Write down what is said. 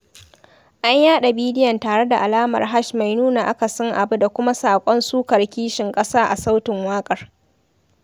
An yaɗa bidiyon tare da alamar hash mai nuna akasin abu da kuma saƙon sukar kishin ƙasa a sautin waƙar.